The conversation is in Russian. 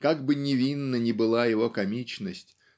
Как бы невинна ни была его комичность